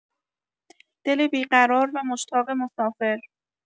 دل بی‌قرار و مشتاق مسافر